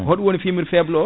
hoɗum woni fumerie faible o